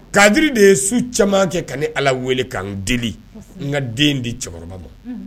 Kadiri de ye su caman kɛ ka ni ala wele k kaan deli n ka den di cɛkɔrɔba bɔ